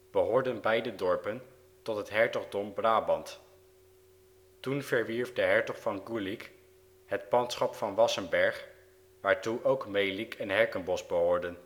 behoorden beide dorpen tot het Hertogdom Brabant. Toen verwierf de Hertog van Gulick het pandschap van Wassenberg, waartoe ook Melick en Herkenbosch behoorden